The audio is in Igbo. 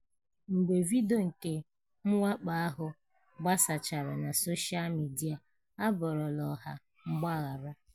Mgbe vidiyo nke mwakpo ahụ gbasachara na soshaa midịa, Abbo rịọrọ ọha mgbaghara.